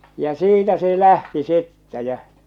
ja siitä se lähti sitten ja